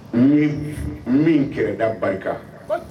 min kɛda barika